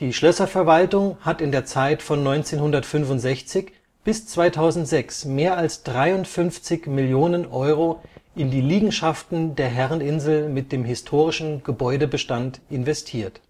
Schlösserverwaltung hat in der Zeit von 1965 bis 2006 mehr als 53 Millionen Euro in die Liegenschaften der Herreninsel mit dem historischen Gebäudebestand investiert